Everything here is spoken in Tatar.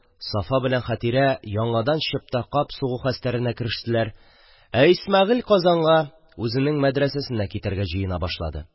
Сафа белән Хәтирә яңадан чыпта-кап сугу хәстәренә керештеләр, ә Исмәгыйль Казанга, үзенең мәдрәсәсенә китәргә җыена башлады.